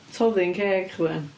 Toddi'n ceg chdi.